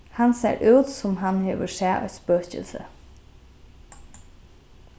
hann sær út sum hann hevur sæð eitt spøkilsi